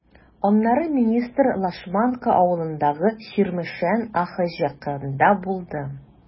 Аннары министр Лашманка авылындагы “Чирмешән” АХҖКында булды.